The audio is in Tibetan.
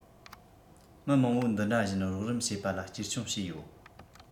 མི མང པོ འདི འདྲ བཞིན རོགས རམ བྱེད པ ལ གཅེས སྐྱོང བྱས ཡོད